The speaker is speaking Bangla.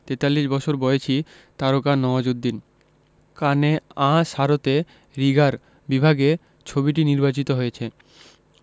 ৪৩ বছর বয়সী তারকা নওয়াজুদ্দিন কানে আঁ সারতে রিগার বিভাগে ছবিটি নির্বাচিত হয়েছে